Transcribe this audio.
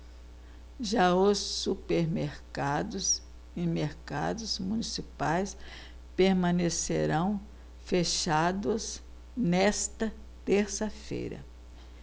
já os supermercados e mercados municipais permanecerão fechados nesta terça-feira